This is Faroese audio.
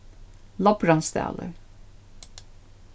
lopransdalur